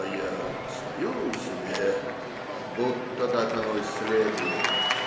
а я стою себе, будто так оно и следует.